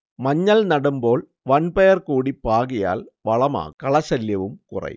മഞ്ഞൾ നടുമ്പോൾ വൻപയർ കൂടി പാകിയാൽ വളമാകും കളശല്യവും കുറയും